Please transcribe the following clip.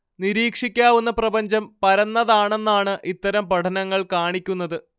നിരീക്ഷിക്കാവുന്ന പ്രപഞ്ചം പരന്നതാണെന്നാണ് ഇത്തരം പഠനങ്ങൾ കാണിക്കുന്നത്